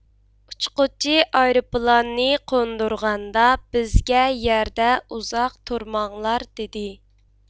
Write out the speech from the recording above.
ئۇچقۇچى ئايروپىلاننى قوندۇرغاندا بىزگە يەردە ئۇزاق تۇرماڭلار دېدى